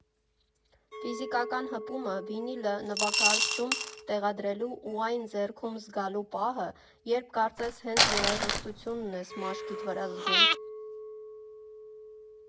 Ֆիզիկական հպումը, վինիլը նվագարկչում տեղադրելու ու այն ձեռքում զգալու պահը, երբ կարծես հենց երաժշտությունն ես մաշկիդ վրա զգում։